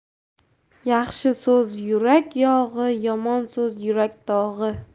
yaxshi so'z yurak yog'i yomon so'z yurak dog'i